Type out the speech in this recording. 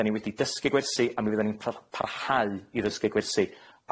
'Dan ni wedi dysgu gwersi a mi fyddan ni'n p- parhau i ddysgu gwersi.